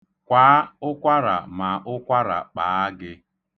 Kwaa ụkwara, ma ụkwara kpaa gị.